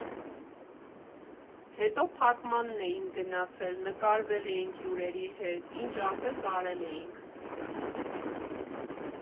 Հետո փակմանն էինք գնացել, նկարվել էինք հյուրերի հետ, ինչ ասես արել էինք։